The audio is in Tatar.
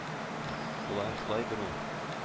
Шулаен шулайдыр ул